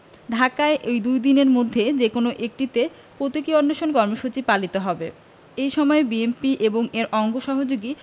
ঢাকায় ওই দুই স্থানের মধ্যে যেকোনো একটিতে প্রতীকী অনশন কর্মসূচি পালিত হবে এ সময় বিএনপি এবং এর অঙ্গ সহযোগী